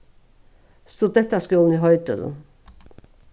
studentaskúlin í hoydølum